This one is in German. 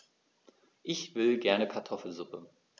Ich will gerne Kartoffelsuppe.